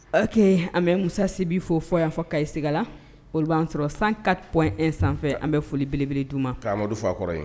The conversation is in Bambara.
Ɔke an bɛ musasi fɔ fɔ yan fɔ ka i segiga la o b'ana sɔrɔ san kap sanfɛ an bɛ foli belebele di ma amadu kɔrɔ